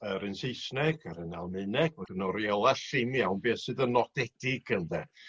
yr un Saesneg yr un Almaeneg ma' 'dyn n'w reola llym iawn be' sydd yn nodedig ynde.